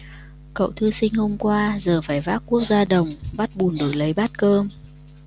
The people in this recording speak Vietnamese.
cậu thư sinh hôm qua giờ phải vác cuốc ra đồng vắt bùn đổi lấy bát cơm